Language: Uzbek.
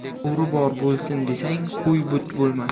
bo'ri bor bo'lsin desang qo'y but bo'lmas